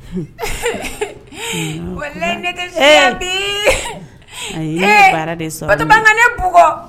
Kolen ne tɛ a dekan nebugu